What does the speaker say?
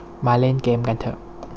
มาเล่นเกมส์กันเถอะ